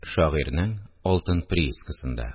Шагыйрьнең алтын приискасында